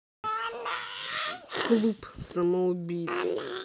клуб самоубийц